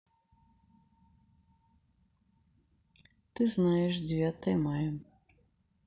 ты знаешь девятое мая